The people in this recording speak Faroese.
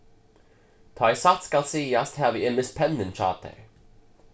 tá ið satt skal sigast havi eg mist pennin hjá tær